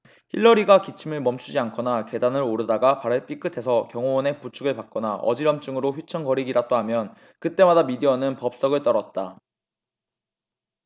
힐러리가 기침을 멈추지 않거나 계단을 오르다가 발을 삐끗해서 경호원의 부축을 받거나 어지럼증으로 휘청거리기라도 하면 그 때마다 미디어는 법석을 떨었다